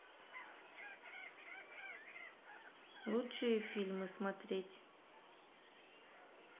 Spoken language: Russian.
лучшие фильмы смотреть